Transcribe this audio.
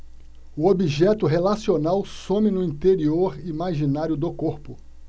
o objeto relacional some no interior imaginário do corpo